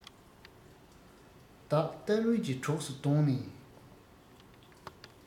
བདག ཏར ཝུན གྱི གྲོགས སུ བསྡོངས ནས